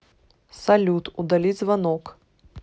салют удали звонок